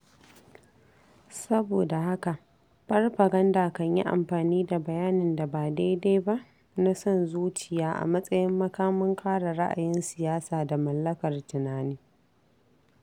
Saboda haka, farfaganda kan yi amfani da bayanin da ba daidai ba na son zuciya a matsayin makamin kare ra'ayin siyasa da mallakar tunani.